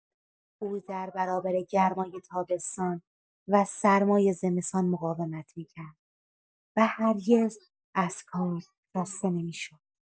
او در برابر گرمای تابستان و سرمای زمستان مقاومت می‌کرد و هرگز از کار خسته نمی‌شد.